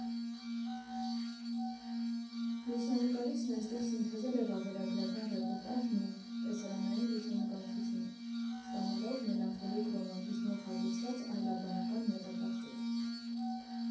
Լուսանկարիչն այստեղ սինթեզել է վավերագրական ռեպորտաժն ու «տեսարանային» լուսանկարչությունը, ստանալով մելանխոլիկ ռոմանտիզմով հագեցված այլաբանական մետա֊պատկեր։